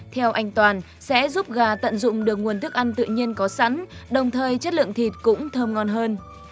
theo anh toàn sẽ giúp gà tận dụng được nguồn thức ăn tự nhiên có sẵn đồng thời chất lượng thịt cũng thơm ngon hơn